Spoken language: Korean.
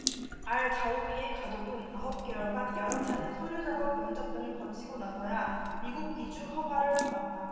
알 자우비의 가족은 아홉 개월간 여러 차례 서류작업 면접 등을 거치고 나서야 미국 이주 허가를 받았다